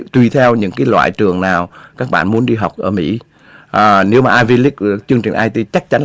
tùy theo những cái loại trường nào các bạn muốn đi học ở mỹ ờ nếu mà ai vi lích chương trình ai ti chắc chắn là